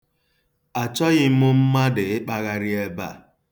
Achọghị mmadụ ịkpagharị ebe a.